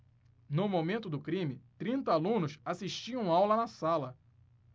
no momento do crime trinta alunos assistiam aula na sala